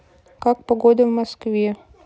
как погода в москве